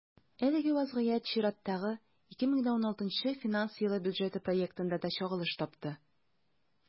Әлеге вазгыять чираттагы, 2016 финанс елы бюджеты проектында да чагылыш тапты.